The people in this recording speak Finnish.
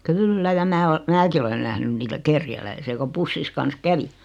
kyllä ja minä - minäkin olen nähnyt niitä kerjäläisiä kun pussinsa kanssa kävi